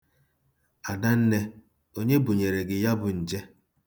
Adanne, onye bunyere gị ya bụ nje?